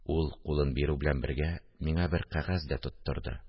Ул кулын бирү белән бергә, миңа бер кәгазь дә тоттырды